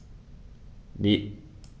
Ne.